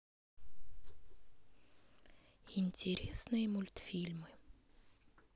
интересные мультфильмы